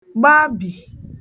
gbabì